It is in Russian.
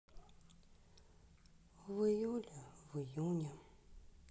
в июле в июне